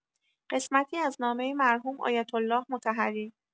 قسمتی از نامه مرحوم آیه‌الله مطهری